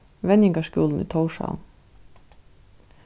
venjingarskúlin í tórshavn